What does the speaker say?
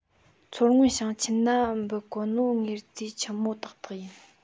མཚོ སྔོན ཞིང ཆེན ན འབུད གོ ནོ དངོས རྫས ཆི མོ དག དག ཡིན